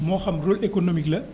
moo xam rôle économique la